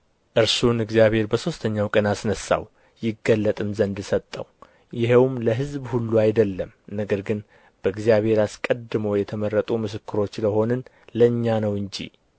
እርሱን እግዚአብሔር በሦስተኛው ቀን አስነሣው ይገለጥም ዘንድ ሰጠው ይኸውም ለሕዝብ ሁሉ አይደለም ነገር ግን በእግዚአብሔር አስቀድሞ የተመረጡ ምስክሮች ለሆንን ለእኛ ነው እንጂ